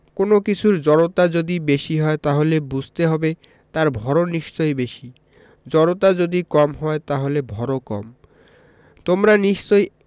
কোনো কিছুর জড়তা যদি বেশি হয় তাহলে বুঝতে হবে তার ভরও নিশ্চয়ই বেশি জড়তা যদি কম হয় তাহলে ভরও কম তোমরা নিশ্চয়ই